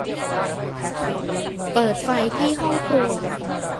เปิดไฟที่ห้องครัว